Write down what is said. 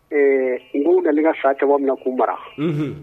Ɛɛ n ko dan ne ka sa cɛba min na k'u bara